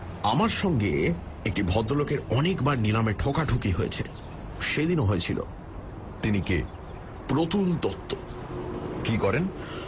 আমার সঙ্গে একটি ভদ্রলোকের অনেকবার নিলামে ঠোকাঠুকি হয়েছে সেদিনও হয়েছিল তিনি কে প্রতুল দত্ত কী করেন